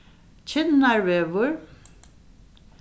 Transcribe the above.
kinnarvegur